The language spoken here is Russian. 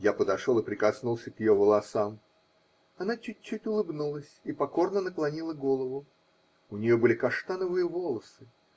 Я подошел и прикоснулся к ее волосам: она чуть-чуть улыбнулась и покорно наклонила голову. У нее были каштановые волосы